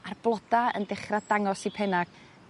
a'r bloda yn dechra dangos i penna'